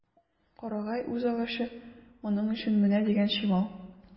Карагай үзагачы моның өчен менә дигән чимал.